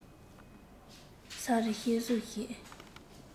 ས རུ གཤེར གཟུགས ཤིག